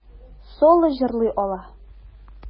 Соло җырлый ала.